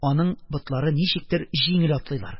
Аның ботлары ничектер җиңел атлыйлар.